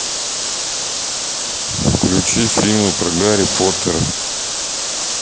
включи фильмы про гарри поттера